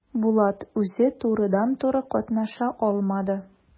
Булат үзе турыдан-туры катнаша алмады.